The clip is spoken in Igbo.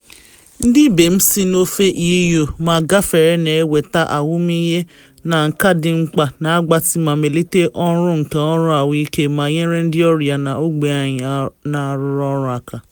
Ndị ibe m si n’ofe EU, ma gafere, na eweta ahụmịhe na nka dị mkpa na agbatị ma melite ọrụ nke ọrụ ahụike, ma nyere ndị ọrịa na ogbe anyị na arụrụ ọrụ aka.